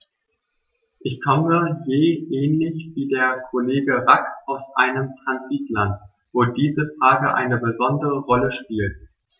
Ich komme ja ähnlich wie der Kollege Rack aus einem Transitland, wo diese Frage eine besondere Rolle spielt.